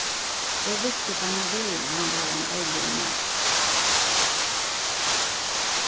eg visti beinanvegin at hann var ein ærligur maður